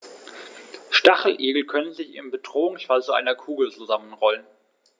Stacheligel können sich im Bedrohungsfall zu einer Kugel zusammenrollen.